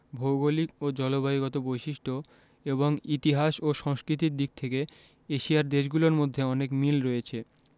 ভৌগলিক ও জলবায়ুগত বৈশিষ্ট্য এবং ইতিহাস ও সংস্কৃতির দিক থেকে এশিয়ার দেশগুলোর মধ্যে অনেক মিল রয়েছে